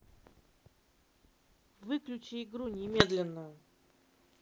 выключи игру немедленно